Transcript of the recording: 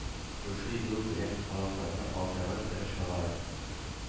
Шушы юл белән халыкларны алдарга тырышалар.